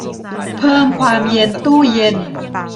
เพิ่มความเย็นตู้เย็น